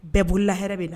Bɛɛ bololahɛrɛ bɛ na